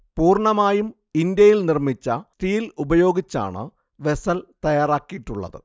പൂർണ്ണമായും ഇന്ത്യയിൽ നിർമ്മിച്ച സ്റ്റീൽ ഉപയോഗിച്ചാണ് വെസൽ തയ്യാറാക്കിയിട്ടുള്ളത്